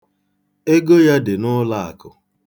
Ego ya dị n'ụlaakụ